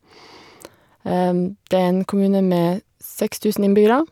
Det er en kommune med seks tusen innbyggere.